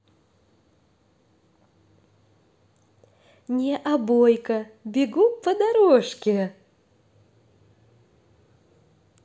не обойка бегу по дорожке